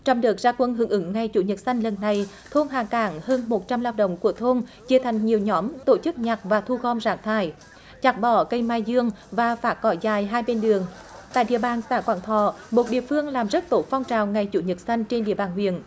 trong đợt ra quân hưởng ứng ngày chủ nhật xanh lần này thôn hà cảng hơn một trăm lao động của thôn chia thành nhiều nhóm tổ chức nhặt và thu gom rác thải chặt bỏ cây mai dương và phạt cỏ dại hai bên đường tại địa bàn xã quảng thọ một địa phương làm rất tốt phong trào ngày chủ nhật xanh trên địa bàn huyện